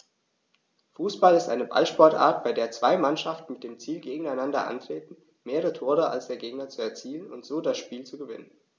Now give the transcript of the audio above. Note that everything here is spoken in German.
Fußball ist eine Ballsportart, bei der zwei Mannschaften mit dem Ziel gegeneinander antreten, mehr Tore als der Gegner zu erzielen und so das Spiel zu gewinnen.